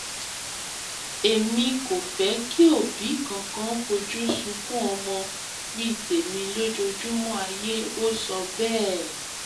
"Èmi kó fẹ́ kí òbí kankan fójú sunkún ọmọ bí tèmi lójoojúmọ́ ayé,” ó sọ bẹ́ẹ̀,”